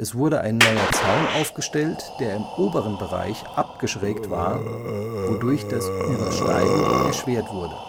wurde ein neuer Zaun aufgestellt, der im oberen Bereich abgeschrägt war, wodurch das Übersteigen erschwert wurde